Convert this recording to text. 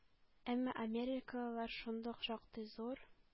Әмма америкалылар шундук шактый зур